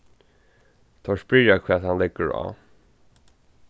teir spyrja hvat hann leggur á